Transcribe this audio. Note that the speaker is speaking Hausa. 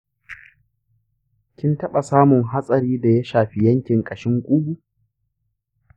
kin taɓa samun hatsari da ya shafi yankin ƙashin ƙugu?